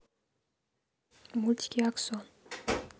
мультики аксон